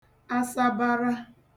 asabara